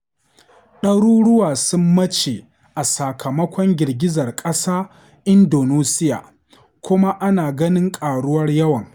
Ɗaruruwa sun mace a sakamakon girgizar ƙasar Indonesiya, kuma ana ganin ƙaruwar yawan